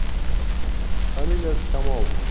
familiyasi kamolov